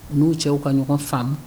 U n'u cɛw ka ɲɔgɔn faamu